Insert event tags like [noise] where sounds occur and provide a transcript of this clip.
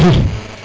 [hesitation] [hesitation]